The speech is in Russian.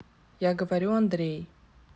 я говорю андрей